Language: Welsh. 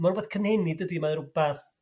Ma' r'wbeth cynhenid 'dydi, mae r'wbath